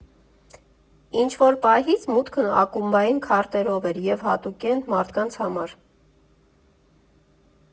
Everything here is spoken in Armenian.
Ինչ֊որ պահից մուտքն ակումբային քարտերով էր և հատուկենտ մարդկանց համար։